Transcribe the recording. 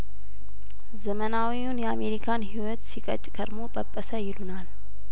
ዘመናዊውን የአምሪካን ሂዎት ሲቀጭ ከርሞ ጰጰሰ ይሉናል